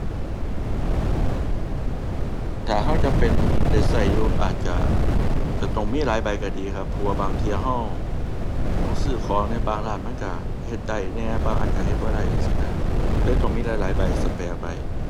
ถ้าเราจำเป็นต้องได้เราอยู่อาจจะ จะต้องมีหลายใบเราดีครับ เพราะว่าบางเที่ยเราต้องซื้อของในบางร้านมันเราเฮ็ดได้แหน่ บางอันเราเฮ็ดบ่ได้จั่งซี้นะ เราเลยต้องมีหลายหลายใบสแปร์ไว้